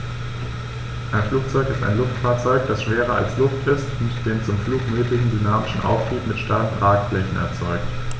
Ein Flugzeug ist ein Luftfahrzeug, das schwerer als Luft ist und den zum Flug nötigen dynamischen Auftrieb mit starren Tragflächen erzeugt.